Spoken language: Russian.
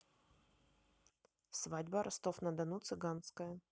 свадьба ростов на дону цыганская